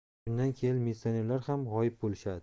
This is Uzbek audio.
shundan keyin militsionerlar ham g'oyib bo'lishadi